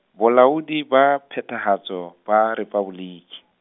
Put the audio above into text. Bolaodi ba Phethahatso ba Rephaboliki.